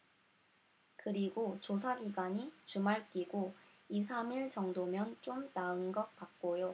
그리고 조사 기간이 주말 끼고 이 삼 일 정도면 좀 나은 것 같고요